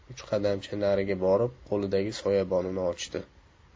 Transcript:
uch qadamcha nariga borib qo'lidagi soyabonini ochdi